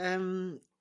yrm